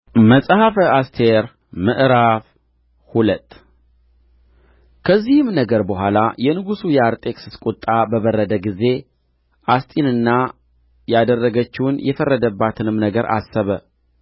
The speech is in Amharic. መጽሐፈ አስቴር ምዕራፍ ሁለት ከዚህም ነገር በኋላ የንጉሡ የአርጤክስስ ቍጣ በበረደ ጊዜ አስጢንና ያደረገችውን የፈረደባትንም ነገር አሰበ